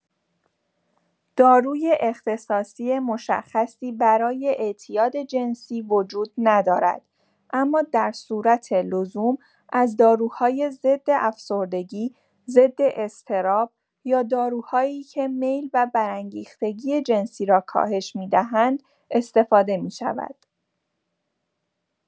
داروی اختصاصی مشخصی برای اعتیاد جنسی وجود ندارد، اما در صورت لزوم از داروهای ضدافسردگی، ضداضطراب یا داروهایی که میل و برانگیختگی جنسی را کاهش می‌دهند، استفاده می‌شود.